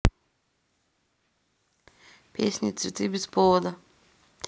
песня цветы без повода